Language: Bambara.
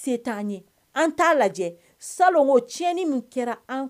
Kɛra